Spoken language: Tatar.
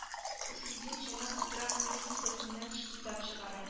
Фәсхетдин җайлап утыра куен кесәсеннән китап чыгара